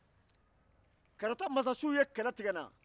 karata masasiw ye kɛlɛ tigɛ n na